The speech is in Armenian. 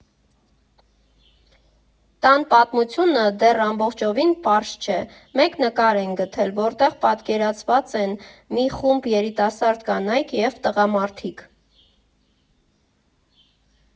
Տան պատմությունը դեռ ամբողջովին պարզ չէ, մեկ նկար են գտել, որտեղ պատկերված են մի խումբ երիտասարդ կանայք և տղամարդիկ։